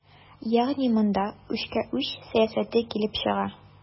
Ягъни монда үчкә-үч сәясәте килеп чыга.